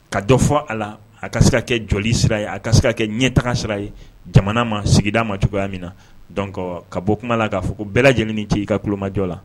Ka dɔ fɔ a la a ka kɛ joli sira a ye a ka se ka kɛ ɲɛtaaga sira a ye jamana ma sigi ma juguya cogoya min na ka bɔ kuma la k'a fɔ ko bɛɛ lajɛlen ni ce' ka kulumajɔ la